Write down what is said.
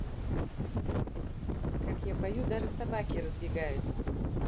когда я пою даже собаки разбегаются